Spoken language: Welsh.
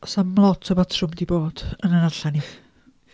Oes na'm lot o batrwm 'di bod yn 'y narllen i.